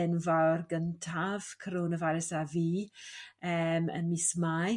enfawr gyntaf coronavirus a fi eem ym mis Mai